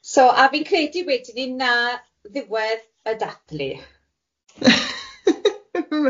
So a fi'n credu wedyn ni na ddiwedd y dathlu.